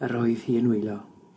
Yr oedd hi yn wylo